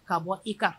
Ka bɔ i kan